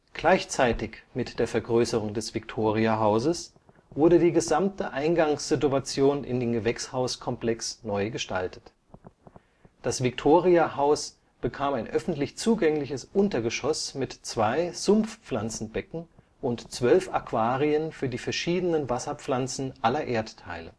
Gleichzeitig mit der Vergrößerung des Victoria-Hauses wurde die gesamte Eingangssituation in den Gewächshauskomplex neu gestaltet. Das Victoria-Haus bekam ein öffentlich zugängliches Untergeschoss mit zwei Sumpfpflanzenbecken und zwölf Aquarien für die verschiedenen Wasserpflanzen aller Erdteile